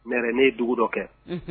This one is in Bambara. Mɛ ne ye dugu dɔ kɛ